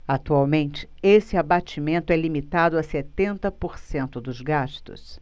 atualmente esse abatimento é limitado a setenta por cento dos gastos